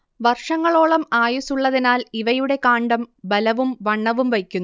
വർഷങ്ങളോളം ആയുസ്സുള്ളതിനാൽ ഇവയുടെ കാണ്ഡം ബലവും വണ്ണവും വയ്ക്കുന്നു